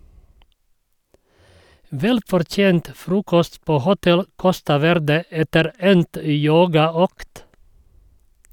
Velfortjent frokost på hotell Costa Verde etter endt yogaøkt.